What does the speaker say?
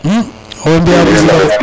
owey mbiya musiba de